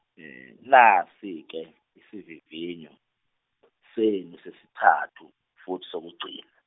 nasi ke isivivinyo senu sesithathu futhi sokugcina.